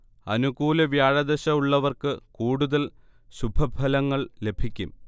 അനുകൂല വ്യാഴദശ ഉള്ളവർക്ക് കൂടുതൽ ശുഭഫലങ്ങൾ ലഭിക്കും